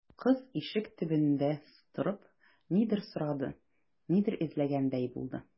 Кыз, ишек төбендә торып, нидер сорады, нидер эзләгәндәй булды.